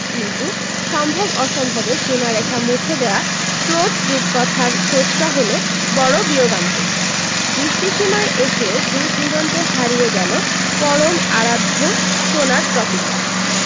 কিন্তু সম্ভব অসম্ভবের সীমারেখা মুছে দেয়া ক্রোট রূপকথার শেষটা হল বড় বিয়োগান্তক দৃষ্টিসীমায় এসেও দূরদিগন্তে হারিয়ে গেল পরম আরাধ্য সোনার ট্রফিটা